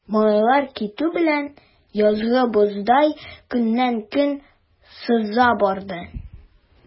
Малайлар китү белән, язгы боздай көннән-көн сыза барды.